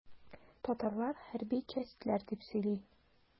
Татарлар хәрби чәстләр дип сөйли.